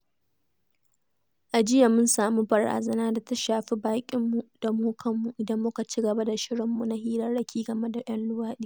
A jiya mun samu barazana da ta shafi baƙinmu da mu kanmu idan muka cigaba da shirinmu na hirarraki game da 'yan luwaɗi.